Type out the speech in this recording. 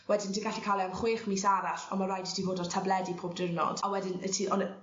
wedyn ti gallu ca'l e am chwech mis arall on' ma' raid i ti fod ar tabledi pob diwrnod a wedyn 'yt ti on yy